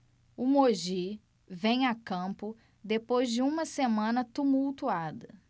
o mogi vem a campo depois de uma semana tumultuada